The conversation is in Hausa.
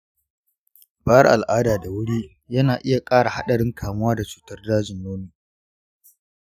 fara al'ada da wuri yana iya kara hadarin kamuwa da cutar dajin nono.